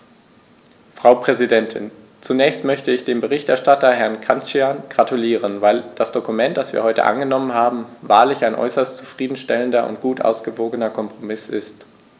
Frau Präsidentin, zunächst möchte ich dem Berichterstatter Herrn Cancian gratulieren, weil das Dokument, das wir heute angenommen haben, wahrlich ein äußerst zufrieden stellender und gut ausgewogener Kompromiss ist.